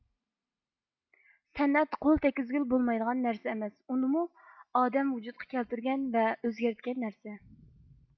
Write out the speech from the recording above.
سەنئەت قول تەككۈزگىلى بولمايدىغان نەرسە ئەمەس ئۇنىمۇ ئادەم ۋۇجۇدتقا كەلتۈرگەن ۋە ئۆزگەرتكەن نەرسە